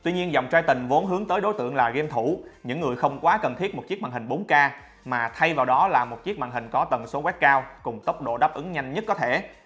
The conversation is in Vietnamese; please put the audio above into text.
tuy nhiên dòng triton vốn hướng tới đối tượng là game thủ những người không quá cần thiết chiếc màn hình k mà thay vào đó là một chiếc màn hình có tần số quét cao cùng tốc độ đáp ứng nhanh nhất có thể